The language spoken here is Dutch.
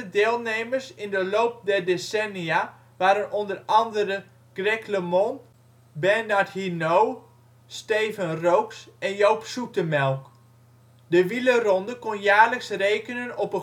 deelnemers in de loop der decennia waren onder andere Greg LeMond, Bernard Hinault, Steven Rooks en Joop Zoetemelk. De wielerronde kon jaarlijks rekenen op